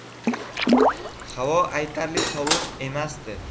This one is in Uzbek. havo aytarli sovuq emasdi